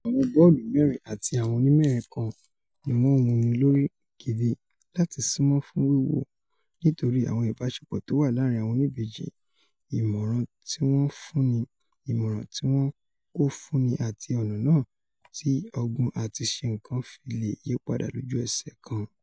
Àwọn bọ́ọ̀lu-mẹ́rin àti àwọn onímẹ́rin kan niwọ́n ńwúni lórí gidi láti súnmọ́ fún wíwò nítorí àwọn ìbáṣepọ̀ tówà láàrin àwọn oníbejì, ìmọ̀ràn tíwọn fúnni, ìmọ̀ràn tíwọn kò fúnni àti ọ̀nà náà tí ọgbọ́n-àtiṣeǹkan fi leè yípadà lójú-ẹ̀ṣẹ̀ kan.